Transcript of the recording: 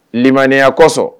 Limaniya kosɔn